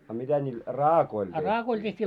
a mitä niillä raakoilla tehtiin